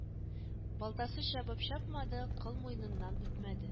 Балтасы чабып чапмады, Кыл муйныннан үтмәде